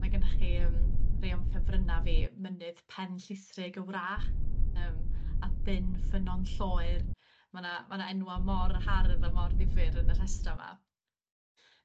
Ma' gennych chi yym rhai o'm ffefrynna fi, mynydd Pen Llithrig y Wrach yym a 'dyn Ffynnon Lloer ma' 'na ma' 'na enwa' mor hardd a mor ddifyr yn y rhestra' 'ma .